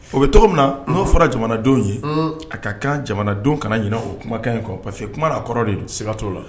O bɛ to min na n'o fɔra jamanadenw ye a ka kan jamanadenw kana ɲinin o kumakan in kɔ pafe kuma a kɔrɔ de seigatɔ la